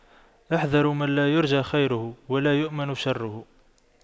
احذروا من لا يرجى خيره ولا يؤمن شره